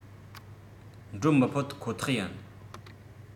འགྲོ མི ཕོད ཁོ ཐག ཡིན